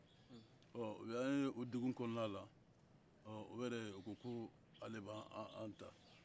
ɔ o y'an ye o degun kɔnɔ na o yɛrɛ o ko ko ale bɛ an ta